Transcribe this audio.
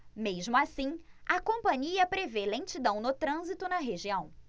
mesmo assim a companhia prevê lentidão no trânsito na região